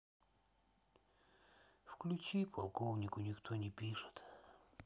включи полковнику никто не пишет